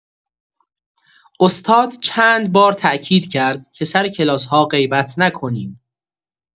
استاد چند بار تأکید کرد که سر کلاس‌ها غیبت نکنین.